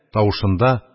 Тавышында,